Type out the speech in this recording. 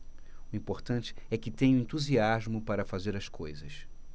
o importante é que tenho entusiasmo para fazer as coisas